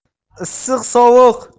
issiq sovuq